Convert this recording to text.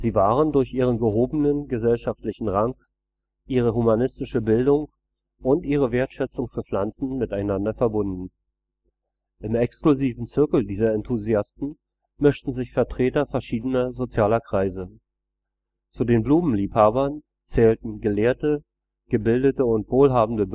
waren durch ihren gehobenen gesellschaftlichen Rang, ihre humanistische Bildung und ihre Wertschätzung für Pflanzen miteinander verbunden. Im exklusiven Zirkel dieser Enthusiasten mischten sich Vertreter verschiedener sozialer Kreise. Zu den Blumenliebhabern zählten Gelehrte, gebildete und wohlhabende